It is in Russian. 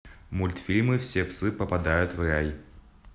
мультфильм все псы попадают в рай